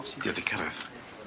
'Di o 'di cyrradd?